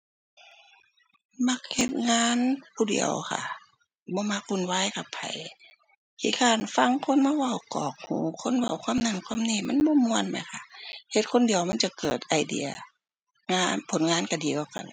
มักเฮ็ดงานผู้เดียวค่ะ บ่มักวุ่นวายกับไผ ขี้คร้านฟังคนมาเว้ากรอกหู คนเว้าความนั้นความนี้ มันบ่ม่วนแหมค่ะ เฮ็ดคนเดียวมันจะเกิดไอเดีย งาน ผลงานก็ดีกว่ากัน